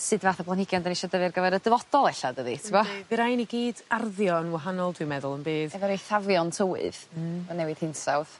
sud fath o blanhigion 'dan ni isia dyfu ar gyfer y dyfodol ella dydi t'bo'? By' rai' ni gyd arddio'n wahanol dwi'n meddwl yn bydd? Efo'r eithafion tywydd. Hmm. A newid hinsawdd.